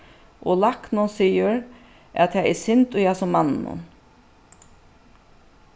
og læknin sigur at tað er synd í hasum manninum